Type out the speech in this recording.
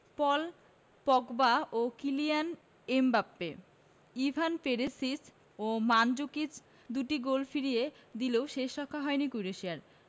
পল Pogba ও Kylian Mbappe Ivan Perisic ও Mandzukic দুটি গোল ফিরিয়ে দিলেও শেষরক্ষা হয়নি ক্রোয়েশিয়ার